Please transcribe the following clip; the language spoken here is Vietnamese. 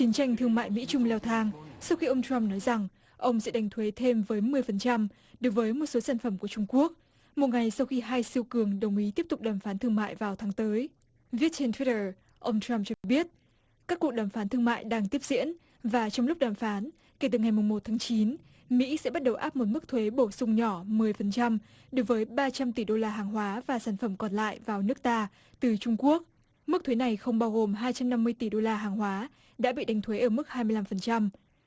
chiến tranh thương mại mỹ trung leo thang sau khi ông trăm nói rằng ông sẽ đánh thuế thêm với mười phần trăm đối với một số sản phẩm của trung quốc một ngày sau khi hai siêu cường đồng ý tiếp tục đàm phán thương mại vào tháng tới viết trên thít tờ ông trăm cho biết các cuộc đàm phán thương mại đang tiếp diễn và trong lúc đàm phán kể từ ngày mồng một tháng chín mỹ sẽ bắt đầu áp một mức thuế bổ sung nhỏ mười phần trăm đối với ba trăm tỷ đô la hàng hóa và sản phẩm còn lại vào nước ta từ trung quốc mức thuế này không bao gồm hai trăm năm mươi tỷ đô la hàng hóa đã bị đánh thuế ở mức hai mươi lăm phần trăm